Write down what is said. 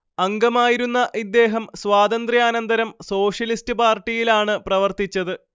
അംഗമായിരുന്ന ഇദ്ദേഹം സ്വാതന്ത്ര്യാനന്തരം സോഷ്യലിസ്റ്റ് പാർട്ടിയിലാണ് പ്രവർത്തിച്ചത്